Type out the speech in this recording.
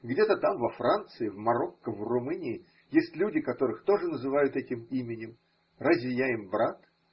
Где-то там во Франции, в Марокко, в Румынии есть люди, которых тоже называют этим именем: разве я им брат?